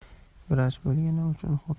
vrach bo'lganim uchun